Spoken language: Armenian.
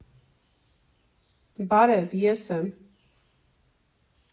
Բարև, ես եմ։